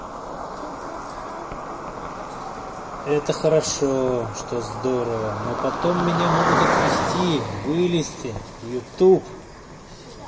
это хорошо что здорово но потом меня могут отвести вылезти youtube